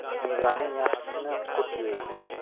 mevaning yaxshisini qurt yeydi